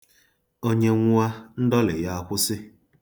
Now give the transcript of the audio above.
Onye nwụọ, ndọlị ya akwụsị.